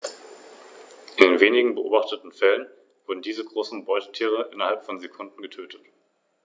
Der Nacken ist goldgelb.